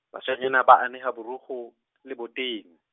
bashanyana ba aneha boroku, leboteng.